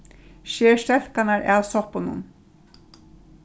sker stelkarnar av soppunum